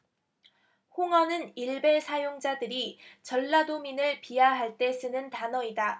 홍어는 일베 사용자들이 전라도민들을 비하할 때 쓰는 단어이다